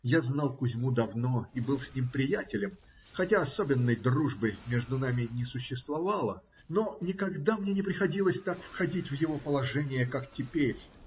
Я знал Кузьму давно и был с ним приятелем (хотя особенной дружбы между нами не существовало), но никогда мне не приходилось так входить в его положение, как теперь.